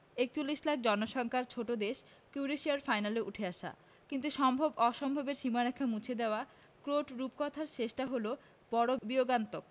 ৪১ লাখ জনসংখ্যার ছোট্ট দেশ ক্রোয়েশিয়ার ফাইনালে উঠে আসা কিন্তু সম্ভব অসম্ভবের সীমারেখা মুছে দেয়া ক্রোট রূপকথার শেষটা হল বড় বিয়োগান্তক